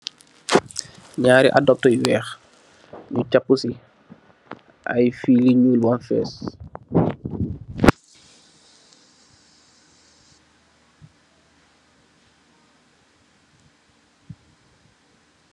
Nyaari adapta yu weex, nyu cappu si, ay fiil yu nyuul bam fees